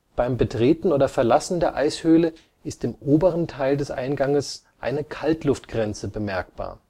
Beim Betreten oder Verlassen der Eishöhle ist im oberen Teil des Einganges eine Kaltluftgrenze bemerkbar